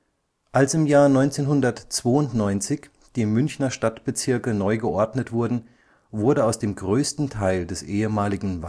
Als 1992 die Münchner Stadtbezirke neu geordnet wurden, wurde aus dem größten Teil des ehemaligen